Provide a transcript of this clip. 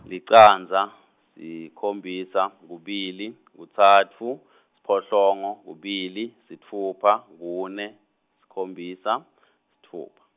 licandza sikhombisa kubili kutsatfu siphohlongo kubili sitfupha kune sikhombisa sitfupha.